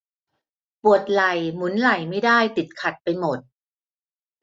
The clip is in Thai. ปวดไหล่หมุนไหล่ไม่ได้ติดขัดไปหมด